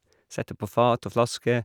Setter på fat og flaske.